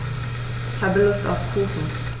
Ich habe Lust auf Kuchen.